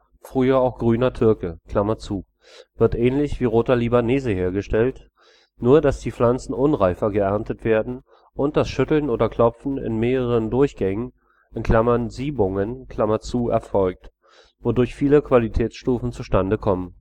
früher auch „ Grüner Türke”) wird ähnlich wie Roter Libanese hergestellt, nur dass die Pflanzen unreifer geerntet werden und das Schütteln oder Klopfen in mehreren Durchgängen (Siebungen) erfolgt, wodurch viele Qualitätsstufen zustande kommen